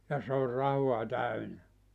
ja se on rahaa täynnä